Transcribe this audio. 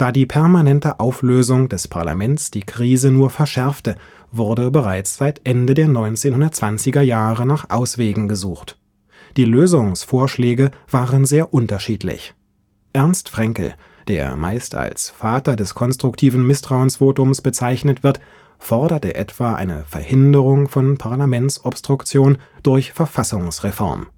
die permanente Auflösung des Parlaments die Krise nur verschärfte, wurde bereits seit Ende der 1920er Jahre nach Auswegen gesucht. Die Lösungsvorschläge waren sehr unterschiedlich. Ernst Fraenkel, der meist als „ Vater des konstruktiven Misstrauensvotums “bezeichnet wird, forderte etwa eine Verhinderung von Parlaments-Obstruktion durch Verfassungsreform